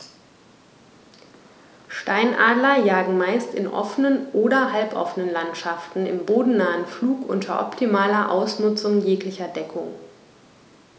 Steinadler jagen meist in offenen oder halboffenen Landschaften im bodennahen Flug unter optimaler Ausnutzung jeglicher Deckung.